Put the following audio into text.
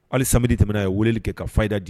Hali samadi tɛmɛnɛna a ye weele kɛ ka da di